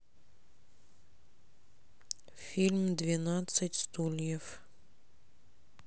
фильм двенадцать стульев